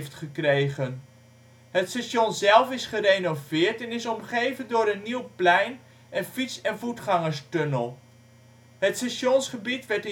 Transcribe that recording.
gekregen. Het station zelf is gerenoveerd en is omgeven door een nieuw plein en fiets - en voetgangerstunnel. Het stationsgebied werd